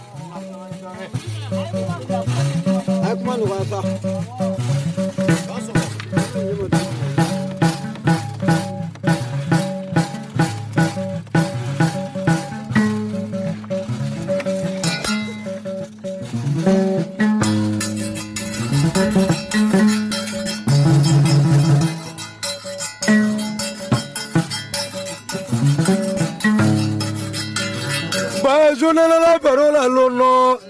Fa